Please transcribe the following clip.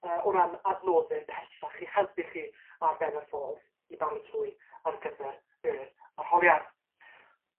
yy o ran adnodde pellach i helpu chi ar ben y ffordd, i baratoi ar gyfer yr arholiad.